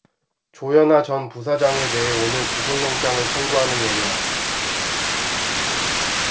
조현아 전 부사장에 대해 오늘 구속영장을 청구하는 거냐